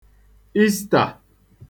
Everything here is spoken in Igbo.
Istà